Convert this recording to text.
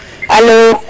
alo